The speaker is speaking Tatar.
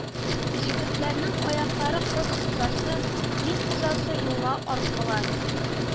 Җегетләрнең аяклары кыз узасы, мин узасы юлга аркылы